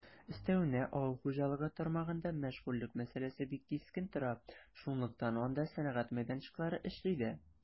Өстәвенә, авыл хуҗалыгы тармагында мәшгульлек мәсьәләсе бик кискен тора, шунлыктан анда сәнәгать мәйданчыклары эшли дә.